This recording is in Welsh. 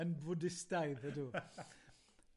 Yn Fwdistaidd, ydw.